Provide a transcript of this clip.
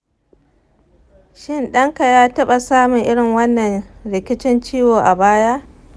shin ɗanka ya taɓa samun irin wannan rikicin ciwo a baya?